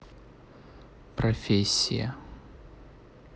профессия